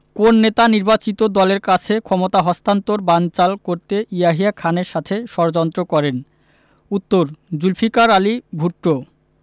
কোন নেতা নির্বাচিত দলের কাছে ক্ষমতা হস্তান্তর বানচাল করতে ইয়াহিয়া খানের সাথে ষড়যন্ত্র করেন উত্তরঃ জুলফিকার আলী ভুট্ট